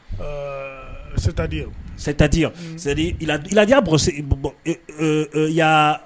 Eee C'est à dire, c'est à dire, c'est dire il a déjà brossé, bon, eh eh Il y a